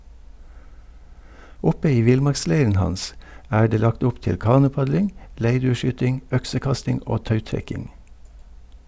Oppe i villmarksleiren hans er det lagt opp til kanopadling, leirdueskyting, øksekasting og tautrekking.